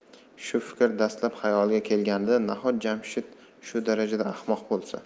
shu fikr dastlab xayoliga kelganida nahot jamshid shu darajada ahmoq bo'lsa